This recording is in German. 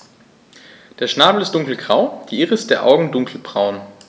Der Schnabel ist dunkelgrau, die Iris der Augen dunkelbraun.